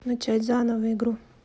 начать заново игру